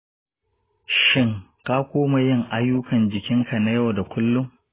shin ka koma yin ayyukan jikinka na yau da kullum?